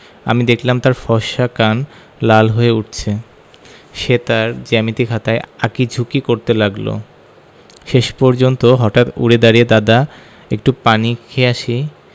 আমি দেখলাম তার ফর্সা কান লাল হয়ে উঠছে সে তার জ্যামিতি খাতায় আঁকি ঝুকি করতে লাগলো শেষ পর্যন্ত হঠাৎ উঠে দাড়িয়ে দাদা একটু পানি খেয়ে আসি